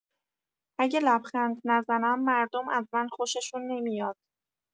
اگه لبخند نزنم، مردم از من خوششون نمیاد.